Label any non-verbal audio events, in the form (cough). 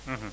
(hesitation) (hesitation)